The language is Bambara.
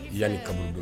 Yanni ka